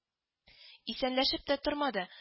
Исәнләшеп тә тормады